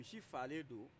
misi fagalen do